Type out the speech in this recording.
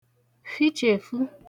fhichèfu